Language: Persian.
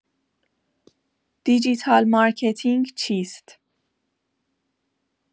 دیجیتال مارکتینگ چیست؟